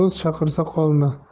do'st chaqirsa qolma